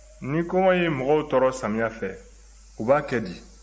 ni kɔngɔ ye mɔgɔw tɔɔrɔ samiyɛ fɛ u b'a kɛ di